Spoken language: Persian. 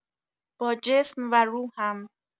با جسم و روحم